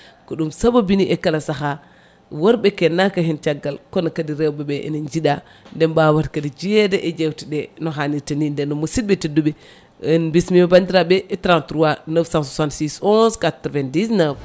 ko ɗum saabobini e kala saaha worɓe kennaka hen caggal kono kadi rewɓeɓe ene jiiɗa nde mbwata kadi jeeyade e jewteɗe no hannirta ni nden noon musidɓe tedduɓe en mbismima bandiraɓe e 33 966 11 99